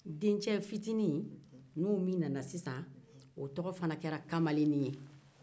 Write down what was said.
dencɛ fitinin min nana o tɔgɔ kɛra kamalenin ye